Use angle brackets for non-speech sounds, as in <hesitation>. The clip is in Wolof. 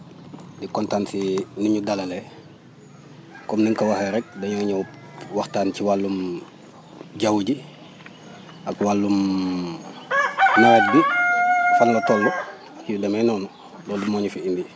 di kontaan si ni nga ñu dalalee comme ni nga ko waxee rek dañoo ñëw waxtaan ci wàllum jaww ji ak wàllum <hesitation> <noise> nawet bi <noise> fan la toll yu demee noonu loolu moo ñu fi indi